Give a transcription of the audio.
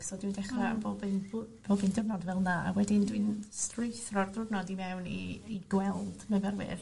so dwi dechra bob un dw- pob un diwrnod fel 'na wedyn dwi'n strwythro'r diwrnod i fewn i i gweld myfyrwyr